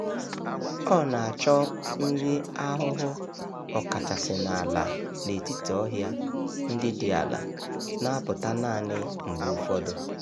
Ọ na-achọ nri ahụhụ ọkachasị n'ala n'etiti ọhịa ndị dị ala, na-apụta naanị mgbe ụfọdụ.